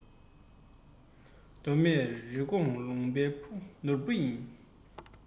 མདོ སྨད རེབ གོང ལུང པའི ནོར བུ ཡིན